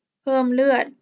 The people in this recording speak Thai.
เพิ่มเลือด